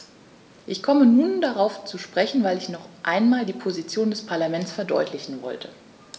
Ich komme nur darauf zu sprechen, weil ich noch einmal die Position des Parlaments verdeutlichen wollte.